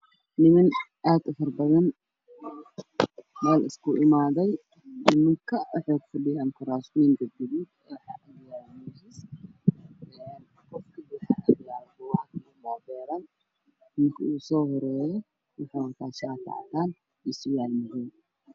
Niman aada u fara badan meel iskugu imaaday nimanka waxay ku fadhiyaan kuraas waxaa horyaalla miisaas caddaan ah waxbayna cunayaan